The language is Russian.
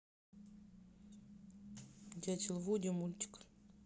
дятел вуди мультик